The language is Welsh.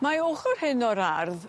Mae ochor hyn o'r ardd